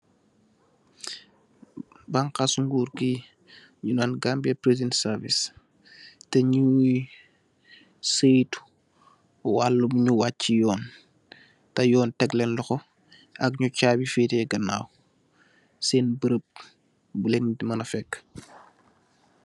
Banxaci ngoor ngu sattu di denci nju xamneh lowa dafleen daan Wala mu tek lèèn loxo.